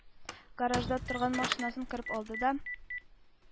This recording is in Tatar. Гаражда торган машинасын кереп алды да